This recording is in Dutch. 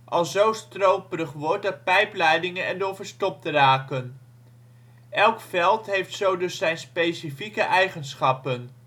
al zo stroperig wordt dat pijpleidingen erdoor verstopt raken. Elk veld heeft zo dus zijn specifieke eigenschappen